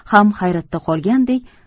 ham hayratda qolgandek